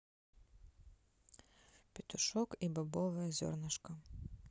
петушок и бобовое зернышко